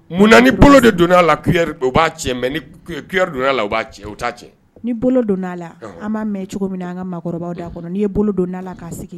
Munna ni bolo de donna a la, cuillère o b'a tiɲɛn mais ni cuillère de donna, a b'a tiɲen, o t'a tiɲɛn. An b'a mɛn cogo minna an ka mɔgɔkɔrɔbaw da, ni ye bolo don na la k'a sigin